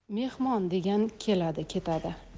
mehmon degan keladi ketadi